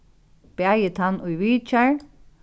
bæði tann ið vitjar